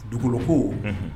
Dugukolo fo